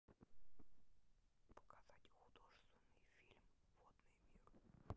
показать художественный фильм водный мир